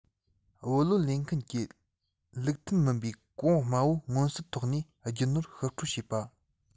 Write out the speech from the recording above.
བུ ལོན ལེན མཁན གྱིས ལུགས མཐུན མིན པའི གོང དམའ པོ མངོན གསལ ཐོག ནས རྒྱུ ནོར བཤུག སྤྲོད བྱས པ